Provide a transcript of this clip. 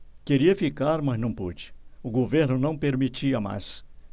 queria ficar mas não pude o governo não permitia mais